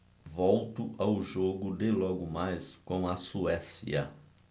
volto ao jogo de logo mais com a suécia